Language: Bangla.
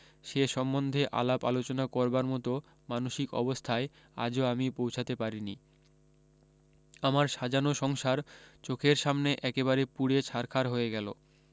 সে সম্বন্ধে আলাপ আলোচনা করবার মতো মানসিক অবস্থায় আজও আমি পৌঁছাতে পারিনি আমার সাজানো সংসার চোখের সামনে একেবারে পুড়ে ছারখার হয়ে গেলো